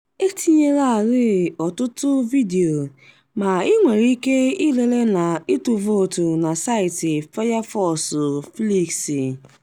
E tinyelarị ọtụtụ vidiyo, ma ị nwere ike ịlele na ịtụ vootu na saịtị Firefox Flicks.